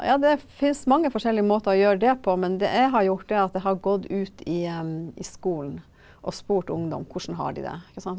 ja det fins mange forskjellige måter å gjøre det på, men det jeg har gjort det er at det jeg har gått ut i i skolen og spurt ungdom hvordan har de det ikke sant.